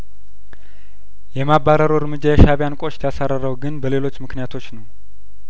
የማባረሩ እርምጃ የሻእቢያን ቆሽት ያሳረረው ግን በሌሎችምክንያቶች ነው